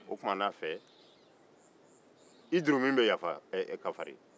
o tumana fɛ i jurumu bɛ yafa ɛɛ kafari